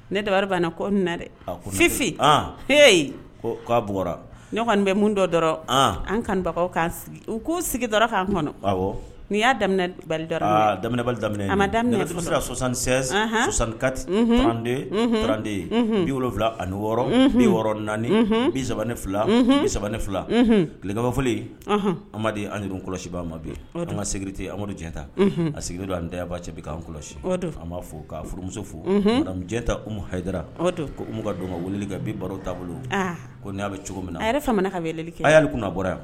Ne dabaliri banna ko na dɛ a ko fifin h k'a bɔra ɲɔgɔn bɛ mun dɔ dɔrɔn an kanbagaw kan u ko sigidara k' kɔnɔ n'i y'a daminɛ balida dabali daminɛ maini se ka sɔsansensan sɔsankati mande tte ye bi wolowula ani wɔɔrɔ bi wɔɔrɔɔrɔn naani bisaban ne fila bisaban ne fila tile kabafolo amadudi an kɔlɔsibaa ma bi siginte amaduta a sigin don an tɛba cɛ bɛ k'an kɔlɔsi faama b'a fɔ kaa furumuso fo jɛta ma hara an ka don ka wele kan bi baro taabolo ko n''a bɛ cogo min na a yɛrɛ ka bɛli kɛ a y'ale kunna' a bɔra yan